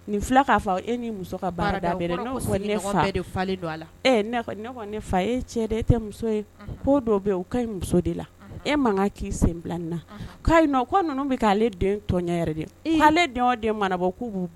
Nin fɔ e muso ne fa cɛ dɛ e tɛ dɔ bɛ ka muso de la e k'i senin na' bɛ k'ale den tɔn yɛrɛ dɛ ale den den manabɔ